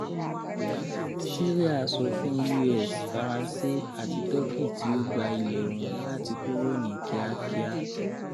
Siria sọ fun US, Faranse ati Tọki ‘tiogba ilẹ wọn’ lati kúrò ni kiakia